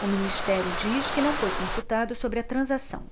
o ministério diz que não foi consultado sobre a transação